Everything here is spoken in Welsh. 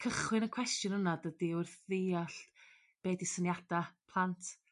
cychwyn y cwestiwn yna dydi wrth ddeall be' 'di syniada plant.